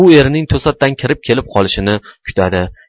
u erining to'satdan kirib kelib qolishini kutadi